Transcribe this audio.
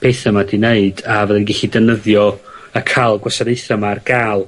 petha 'ma 'di neud a fyddai'n gellu defnyddio, a ca'l gwasanaetha' 'ma ar ga'l. chydi.